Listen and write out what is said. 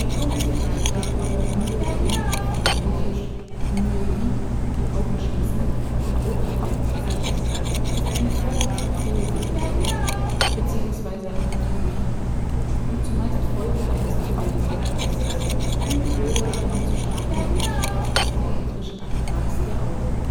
Kurzsichtigkeit oder Myopie (von griechisch myein „ (die Augen) schließen “und opia „ Sicht “) ist eine Form von Fehlsichtigkeit beziehungsweise Ametropie und zumeist Folge eines zu langen Augapfels und/oder einer zu starken Brechkraft des dioptrischen Apparats der Augen